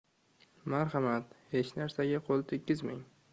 marhamat hech narsaga qo'l tekkizmang